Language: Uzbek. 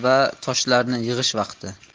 va toshlarni yig'ish vaqti